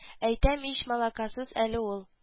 Әйтәм ич малакасус әле ул